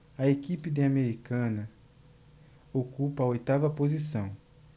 a equipe de americana ocupa a oitava posição